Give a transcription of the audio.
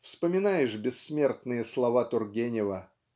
вспоминаешь бессмертные слова Тургенева ".